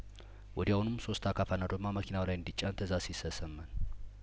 ወዲያውኑም ሶስት አካፋና ዶማ መኪናው ላይ እንዲ ጫን ትእዛዝ ሲሰጥ ሰማን